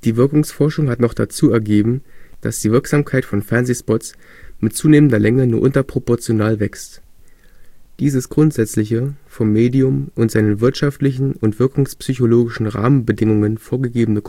Wirkungsforschung hat noch dazu ergeben, dass die Wirksamkeit von Fernsehspots mit zunehmender Länge nur unterproportional wächst. Dieses grundsätzliche, vom Medium und seinen wirtschaftlichen und wirkungspsychologischen Rahmenbedingungen vorgegebene